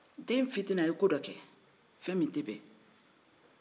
den fitinin a bɛ ko dɔ kɛ fɛn min tɛ bɛn